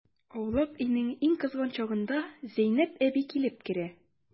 Аулак өйнең иң кызган чагында Зәйнәп әби килеп керә.